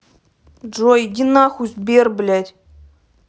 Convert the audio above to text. джой иди нахуй сбер блядь